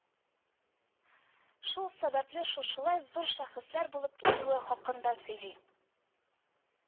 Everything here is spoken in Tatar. Шул сәбәпле шушылай зур шәхесләр булып китүе хакында сөйли